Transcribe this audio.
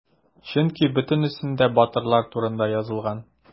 Чөнки бөтенесендә батырлар турында язылган.